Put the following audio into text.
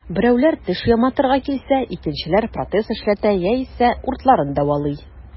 Берәүләр теш яматырга килсә, икенчеләр протез эшләтә яисә уртларын дәвалый.